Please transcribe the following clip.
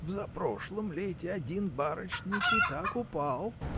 – в запрошлом лете один барочник и так упал.